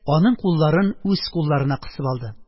Аның кулларын үз кулларына кысып алды